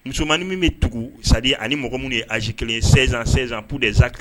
Musomanmaninin min bɛ tugu sadi ani mɔgɔ minnu ye azsi kelen ssan ssanpu de zan